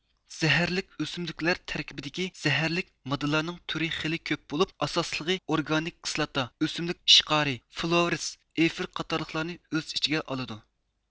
زەھەرلىك ئۆسۈملۈكلەر تەركىبىدىكى زەھەرلىك ماددىلارنىڭ تۈرى خېلى كۆپ بولۇپ ئاساسلىقى ئورگانىك كىسلاتا ئۆسۈملۈك ئىشقارى فلورىس ئېفىر قاتارلىقلارنى ئۆز ئىچىگە ئالىدۇ